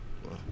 waaw